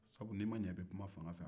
sabu n'i ma ɲɛ i bɛ kuma fanga fɛ